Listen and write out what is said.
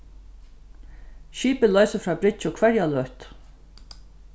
skipið loysir frá bryggju hvørja løtu